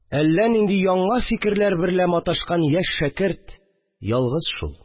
Әллә нинди яңа фикерләр берлә маташкан яшь шәкерт – ялгыз шул